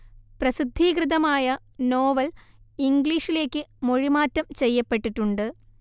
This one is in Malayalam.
പ്രസിദ്ധീകൃതമായ നോവൽ ഇംഗ്ലീഷിലേയ്ക്ക് മൊഴിമാറ്റം ചെയ്യപ്പെട്ടിട്ടുണ്ട്